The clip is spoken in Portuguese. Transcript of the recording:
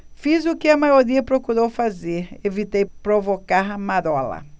fiz o que a maioria procurou fazer evitei provocar marola